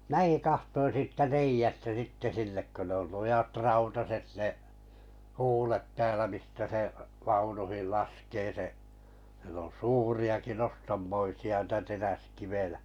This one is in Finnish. minäkin katsoin siitä reiästä sitten sinne kun ne oli lujat rautaiset ne huulet täällä mistä se vaunuihin laskee se siellä on suuriakin nostammoisia niitä teräskiviä